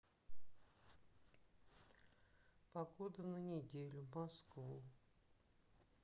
погода на неделю москву